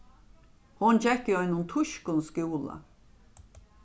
hon gekk í einum týskum skúla